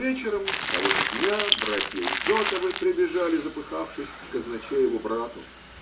Вечером того же дня братья Изотовы прибежали запыхавшись к казначееву брату.